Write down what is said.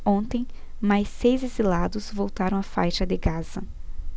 ontem mais seis exilados voltaram à faixa de gaza